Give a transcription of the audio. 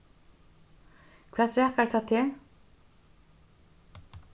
hvat rakar tað teg